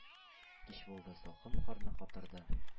Кич булды, салкын карны катырды,